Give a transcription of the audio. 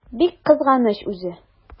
Бик кызганыч үзе!